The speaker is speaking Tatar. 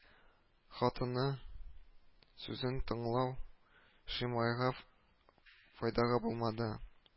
Хатыны сүзен тыңлау Шимайга файдага булмады